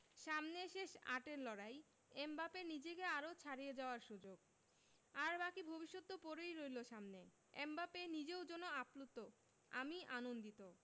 সামনে শেষ আটের লড়াই এমবাপ্পের নিজেকে আরও ছাড়িয়ে যাওয়ার সুযোগ আর বাকি ভবিষ্যৎ তো পড়েই রইল সামনে এমবাপ্পে নিজেও যেন আপ্লুত আমি আনন্দিত